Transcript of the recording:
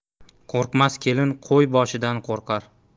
qo'rqmas kelin qo'y boshidan qo'rqar